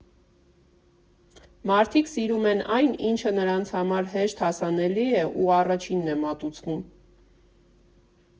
Մարդիկ սիրում են այն, ինչը նրանց համար հեշտ հասանելի է ու առաջինն է մատուցվում։